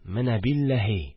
Менә билләһи